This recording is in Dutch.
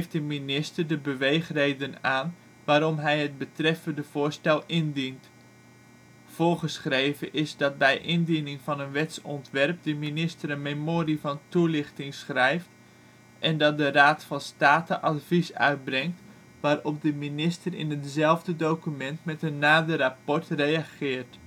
de minister de beweegreden aan waarom hij het betreffende voorstel indient. Voorgeschreven is dat bij indiening van een wetsontwerp de minister een Memorie van Toelichting schrijft en dat de Raad van State advies uitbrengt, waarop de minister in hetzelfde document met een ' nader rapport ' reageert